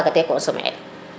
waga te consommer el